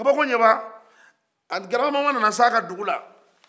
kabakoɲɛba grabamama nana sen a ka dugula